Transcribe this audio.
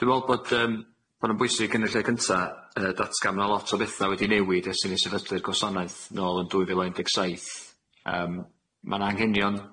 Dwi me'wl bod yym ma'n yn bwysig yn y lle cynta yy datgan ma' 'na lot o betha wedi newid ers i ni sefydlu'r gwasanaeth nôl yn dwy fil a un deg saith nyym ma' 'anghenion